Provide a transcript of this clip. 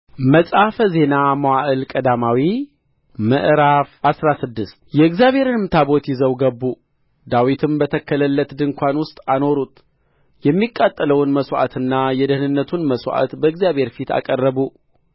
መጽሐፈ ዜና መዋዕል ቀዳማዊ ምዕራፍ አስራ ስድስት የእግዚአብሔርንም ታቦት ይዘው ገቡ ዳዊትም በተከለለት ድንኳን ውስጥ አኖሩት የሚቃጠለውን መሥዋዕትና የደኅንነቱን መሥዋዕትም በእግዚአብሔር ፊት አቀረቡ